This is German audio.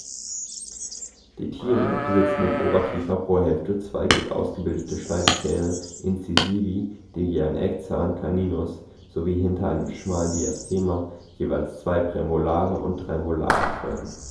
Tiere besitzen im Oberkiefer pro Hälfte zwei gut ausgebildete Schneidezähne (Incisivi), dem je ein Eckzahn (Caninus) sowie hinter einem schmalen Diastema jeweils drei Prämolare und drei Molare folgen